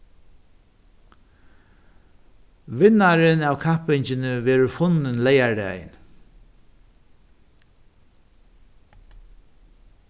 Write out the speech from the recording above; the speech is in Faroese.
vinnarin av kappingini verður funnin leygardagin